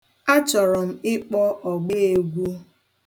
A chọrọ m ịkpọ ọgbeegwu.